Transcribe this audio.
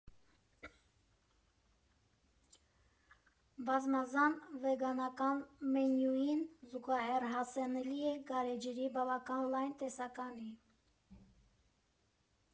Բազմազան վեգանական մենյուին զուգահեռ հասանելի է գարեջրի բավական լայն տեսականի։